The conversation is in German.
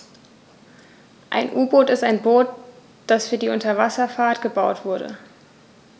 Ein U-Boot ist ein Boot, das für die Unterwasserfahrt gebaut wurde.